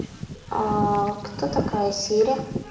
кто такая сири